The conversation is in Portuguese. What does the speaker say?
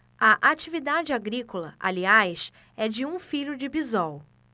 a atividade agrícola aliás é de um filho de bisol